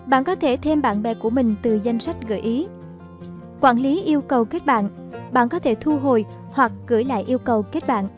bạn có thể thêm bạn bè của mình từ danh sách gợi ý quản lý yêu cầu kết bạn bạn có thể thu hồi hoặc gửi lại yêu cầu kết bạn